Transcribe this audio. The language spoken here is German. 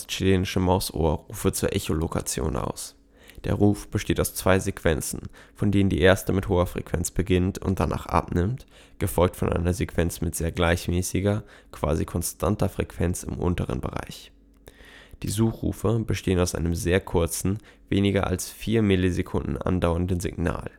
Chilenische Mausohr Rufe zur Echolokation aus. Der Ruf besteht aus zwei Sequenzen, von denen die erste mit hoher Frequenz beginnt und danach abnimmt, gefolgt von einer Sequenz mit sehr gleichmäßiger (quasi-konstanter) Frequenz im unteren Bereich. Die Suchrufe bestehen aus einem sehr kurzen, weniger als vier Millisekunden andauernden Signal